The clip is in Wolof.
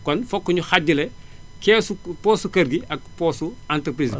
kon fokk ñu xaajale keesu poche su kër gi ak poche su entreprise bi